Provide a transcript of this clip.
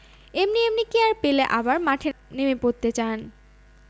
এমনি এমনি কি আর পেলে আবার মাঠে নেমে পড়তে চান